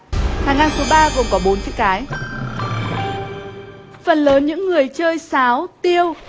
hàng ngang số ba gồm có bốn chữ cái phần lớn những người chơi sáo tiêu